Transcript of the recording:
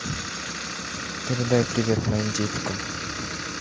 передай привет моим деткам